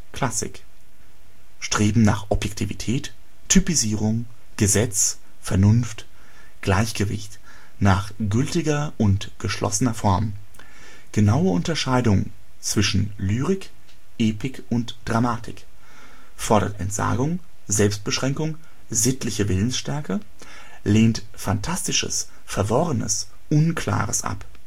Klassik Streben nach Objektivität, Typisierung, Gesetz, Vernunft, Gleichgewicht, nach gültiger und geschlossener Form; genaue Unterscheidung zwischen Lyrik, Epik und Dramatik; fordert Entsagung, Selbstbeschränkung, sittliche Willensstärke; lehnt Phantastisches, Verworrenes, Unklares ab